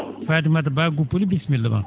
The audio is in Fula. Fatimata Ba Guppuli bisimilla ma